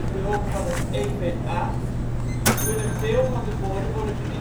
behulp van het EVA, kunnen veel van de woorden worden